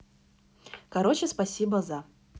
короче спасибо за